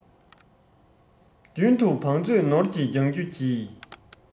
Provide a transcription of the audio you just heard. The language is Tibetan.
རྒྱུན དུ བང མཛོད ནོར གྱིས བརྒྱང རྒྱུ གྱིས